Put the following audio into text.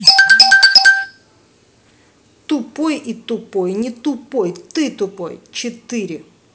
тупой и тупой не тупой ты тупой четыре